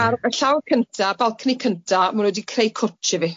Ar y llaw cynta, balcony cynta, ma' n'w 'di creu cwt i fi.